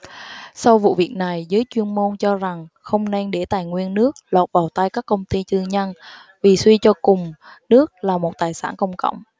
sau vụ việc này giới chuyên môn cho rằng không nên để tài nguyên nước lọt vào tay các công ty tư nhân vì suy cho cùng nước là một tài sản công cộng